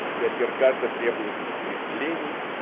Из арьергарда требуют подкреплений.